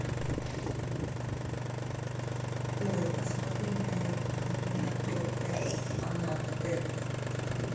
ой посмотри на это но не на то это она то это